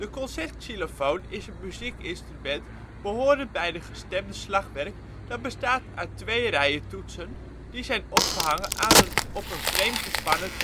concert xylofoon is een muziekinstrument behorend tot het gestemde slagwerk dat bestaat uit twee rijen toetsen, die zijn opgehangen aan een op een frame gespannen